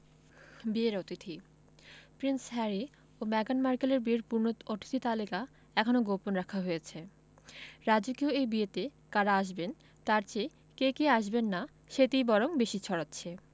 বিয়ের অতিথি prince Harry ও মেগান মার্কেলের বিয়ের পূর্ণ অতিথি তালিকা এখনো গোপন রাখা হয়েছে রাজকীয় এই বিয়েতে কারা আসবেন তার চেয়ে কে কে আসবেন না সেটিই বরং বেশি ছড়াচ্ছে